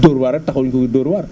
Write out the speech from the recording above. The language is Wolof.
Dóor waar rek taxul ñuy dóor waar